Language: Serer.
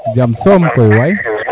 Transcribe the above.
jam soom kay waay